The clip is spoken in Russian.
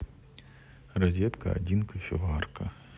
розетка один кофеварка